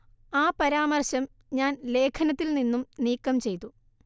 ആ പരാമർശം ഞാൻ ലേഖനത്തിൽ നിന്നും നീക്കം ചെയ്തു